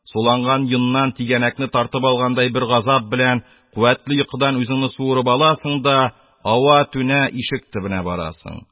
Суланган йоннан тигәнәкне тартып алгандай бер газап белән, куәтле йокыдан үзеңне суырып аласың да ава-түнә ишек төбенә барасың